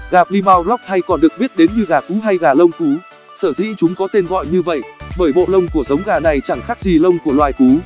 gà plymouth rock hay còn được biết đến như gà cú hay gà lông cú sở dĩ chúng có tên gọi như vậy bởi bộ lông của giống gà này chẳng khác gì lông của loài cú